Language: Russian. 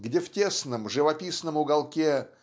где в тесном живописном уголке